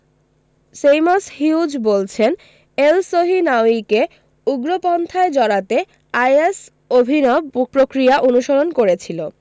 Seamus Hughes বলছেন এলসহিনাউয়িকে উগ্রপন্থায় জড়াতে আইএস অভিনব প্রক্রিয়া অনুসরণ করেছিল